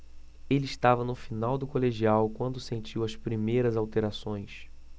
ele estava no final do colegial quando sentiu as primeiras alterações